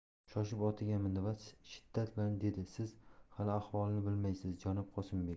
shoshib otiga mindi da shiddat bilan dedi siz hali ahvolni bilmaysiz janob qosimbek